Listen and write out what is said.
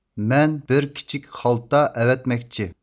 مەن بىر كىچىك خالتا ئەۋەتمەكچى